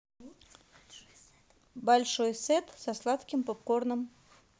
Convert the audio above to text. большой сет со сладким попкорном